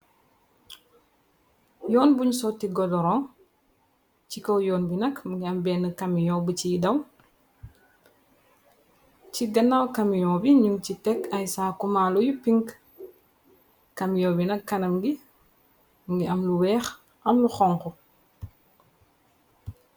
Yoon buñ sotti godoron ci kaw yoon bi nak mugii am benna kamiyon bi ci daw, ci ganaaw kamiyon bi ñung ci tek ay saaku maalu yu pink kamiyon bi nag kanam ngi mungi am lu wèèx am lu xonxu.